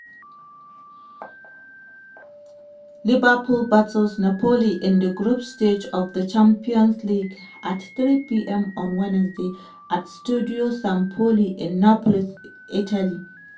Liverpool battles Napoli in the group stage of the Champions League at 3 p.m. on Wednesday at Stadio San Paolo in Naples, Italy.